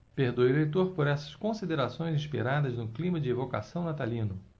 perdoe o leitor por essas considerações inspiradas no clima de evocação natalino